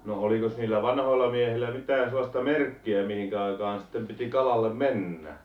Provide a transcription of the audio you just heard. no olikos niillä vanhoilla miehillä mitään sellaista merkkiä mihin aikaan sitten piti kalalle mennä